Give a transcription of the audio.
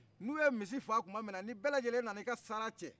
n'u ye misi faa tumaninna ni belajelen nana i ka sara cɛ